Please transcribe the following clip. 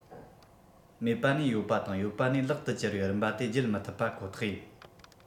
མེད པ ནས ཡོད པ དང ཡོད པ ནས ལེགས དུ གྱུར བའི རིམ པ དེ བརྒྱུད མི ཐུབ ཁོ ཐག ཡིན